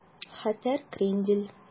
Хәтәр крендель